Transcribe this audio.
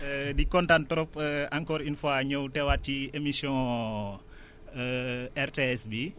di kontaan trop encore une fois ñëw teewaat ci émission RTS bii